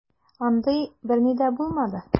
Андый берни дә булмады.